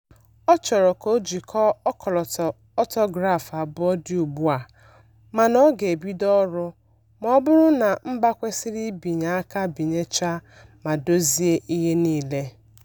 Ọ chọrọ ka ojikọ ọkọlọtọ ọtọgrafi abụọ dị ugbua mana ọ ga-ebido ọrụ ma ọ bụrụ na mba kwesiri ibinye aka binyecha ma dozie ihe niile.